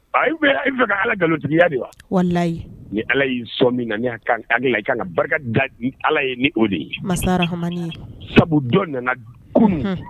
Ayi, ou bien i bɛ fɛ ka allah nglontigiya de wa ? wallahi Ni allah y'i sɔn min na, i kan ka barika da ni allah n'o de ye masa raha maani _ye sabu dɔ nana kunun, unhun.